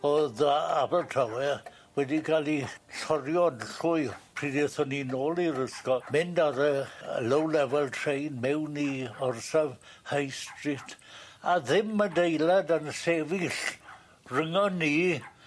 O'dd yy Abertawe wedi ca'l 'i llorio'n llwyr pryd ethon ni nôl i'r ysgol mynd ar y y low-level train mewn i orsaf High Street a ddim adeilad yn sefyll ryngon ni.